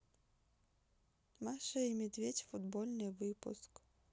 маша и медведь футбольный выпуск